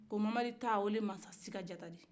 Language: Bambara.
o mamadi ta o de ye masasigajata di